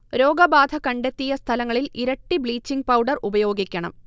രോഗബാധ കണ്ടെത്തിയ സ്ഥലങ്ങളിൽ ഇരട്ടി ബ്ലീച്ചിങ് പൗഡർ ഉപയോഗിക്കണം